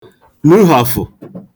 nuhàfụ̀